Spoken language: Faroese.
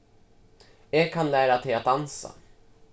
eg kann læra teg at dansa